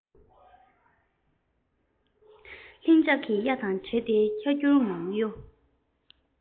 ཁོ བོའི སེམས ནི རྦ རླབས དྲག པོ གཡོ བའི རྒྱ མཚོ བཞིན